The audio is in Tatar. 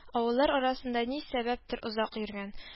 Авыллар арасында ни сәбәптер озак йөргән